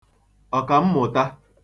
ọ̀kàmmụ̀ta